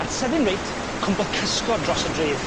A'n sydyn reit cwmpodd cysgod dros y dref.